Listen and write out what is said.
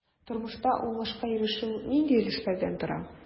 Тормышта уңышка ирешү нинди өлешләрдән тора?